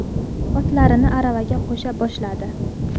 otlarini aravaga qo'sha boshladi